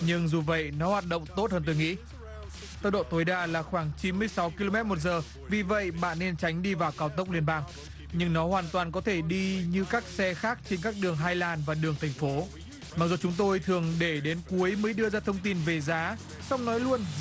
nhưng dù vậy nó hoạt động tốt hơn tôi nghĩ tốc độ tối đa là khoảng chín mươi sáu ki lô mét một giờ vì vậy bạn nên tránh đi vào cao tốc liên bang nhưng nó hoàn toàn có thể đi như các xe khác trên các đường hai làn và đường thành phố mặc dù chúng tôi thường để đến cuối mới đưa ra thông tin về giá song nói luôn